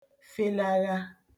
felagha